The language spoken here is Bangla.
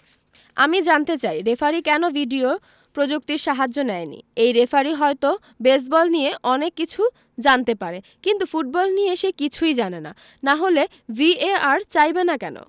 আমি জানতে চাই রেফারি কেন ভিডিও প্রযুক্তির সাহায্য নেয়নি এই রেফারি হয়তো বেসবল নিয়ে অনেক কিছু জানতে পারে কিন্তু ফুটবল নিয়ে সে কিছুই জানে না না হলে ভিএআর চাইবে না কেন